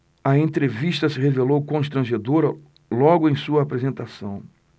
a entrevista se revelou constrangedora logo em sua apresentação